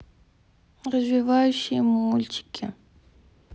развивающие мультфильмы